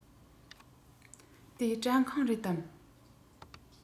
དེ སྐྲ ཁང རེད དམ